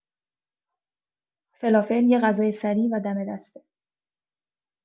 فلافل یه غذای سریع و دم‌دسته.